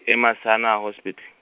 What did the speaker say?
e Masana Hospita-.